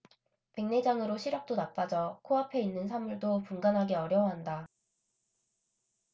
백내장으로 시력도 나빠져 코 앞에 있는 사물도 분간하기 어려워한다